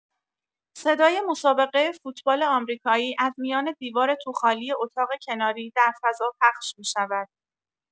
صدای مسابقه فوتبال آمریکایی از میان دیوار توخالی اتاق کناری در فضا پخش می‌شود.